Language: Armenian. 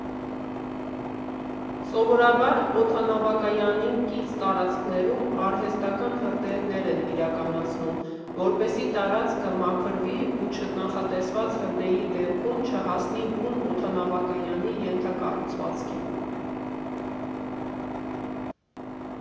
Սովորաբար, օդանավակայանին կից տարածքներում արհեստական հրդեհներ են իրականացնում, որպեսզի տարածքը մաքրվի ու չնախատեսված հրդեհի դեպքում չհասնի բուն օդանավակայանի ենթակառուցվածքին։